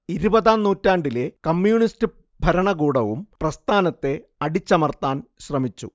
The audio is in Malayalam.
ഇരുപതാം നൂറ്റാണ്ടിലെ കമ്മ്യൂണിസ്റ്റു ഭരണകൂടവും പ്രസ്ഥാനത്തെ അടിച്ചമർത്താൻ ശ്രമിച്ചു